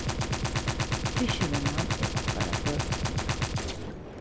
fiskivinnan er okkara høvuðsvinna